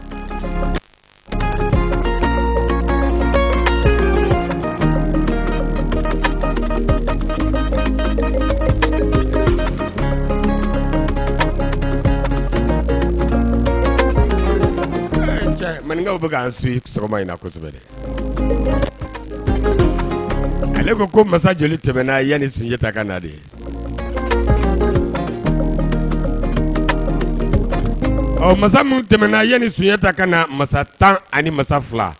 Maninkaw bɛ k' su sɔgɔma in na kosɛbɛ ale ko ko masa joli tɛmɛna yanani sunjata ta ka nadi ye masa tɛmɛna yanani sunjata ta ka na masa tan ani masa fila